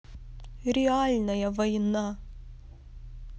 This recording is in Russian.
реальная война